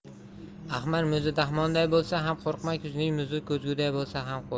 ahman muzi dahmonday bo'lsa ham qo'rqma kuzning muzi ko'zguday bo'lsa ham qo'rq